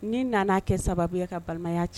Ni nana kɛ sababu ye ka balimaya